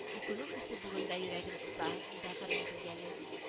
Үкенү хисе бүген дә йөрәген кыса, бәгырен телгәли